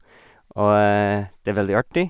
Og det er veldig artig.